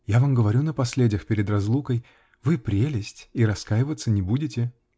-- Я вам говорю напоследях, перед разлукой: вы прелесть -- и раскаиваться не будете.